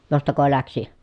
jostako lähti